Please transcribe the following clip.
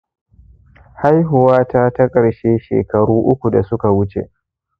haihuwata ta ƙarshe shekaru uku da suka wuce.